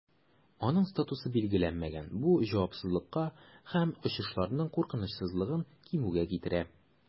Аның статусы билгеләнмәгән, бу җавапсызлыкка һәм очышларның куркынычсызлыгын кимүгә китерә.